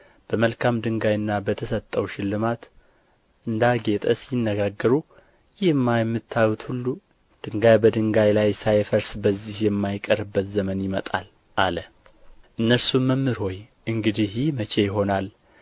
በመልካም ድንጋይና በተሰጠው ሽልማት እንዳጌጠ ሲነጋገሩ ይህማ የምታዩት ሁሉ ድንጋይ በድንጋይ ላይ ሳይፈርስ በዚህ የማይቀርበት ዘመን ይመጣል አለ እነርሱም መምህር ሆይ እንግዲህ ይህ መቼ ይሆናል